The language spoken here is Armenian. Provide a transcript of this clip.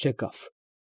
Չեկավ…։